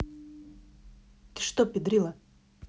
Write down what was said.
ты что педрила